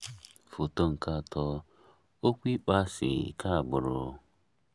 Foto nke 3: Okwu ịkpọasị keagbụrụ